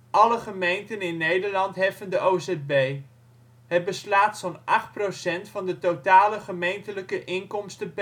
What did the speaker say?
Alle gemeenten in Nederland heffen de ozb. Het beslaat zo 'n 8 % van de totale gemeentelijke inkomsten